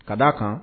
Ka d' a kan